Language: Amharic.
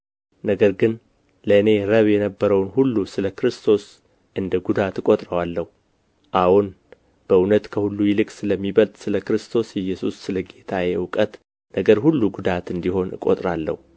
ነገር ግን ለእኔ ረብ የነበረውን ሁሉ ስለ ክርስቶስ እንደ ጉዳት ቈጥሬዋለሁ አዎን በእውነት ከሁሉ ይልቅ ስለሚበልጥ ስለ ክርስቶስ ኢየሱስ ስለ ጌታዬ እውቀት ነገር ሁሉ ጉዳት እንዲሆን እቈጥራለሁ